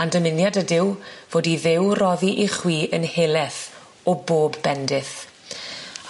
A'n dymuniad ydyw fod i Dduw roddi i chwi yn heleth o bob bendith.